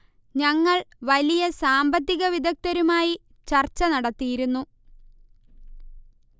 ഞങ്ങൾ വലിയ സാമ്പത്തിക വിദഗ്ധരുമായി ചർച്ച നടത്തിയിരുന്നു